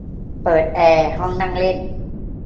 เปิดแอร์ห้องนั่งเล่น